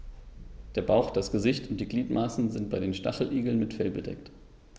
Der Bauch, das Gesicht und die Gliedmaßen sind bei den Stacheligeln mit Fell bedeckt.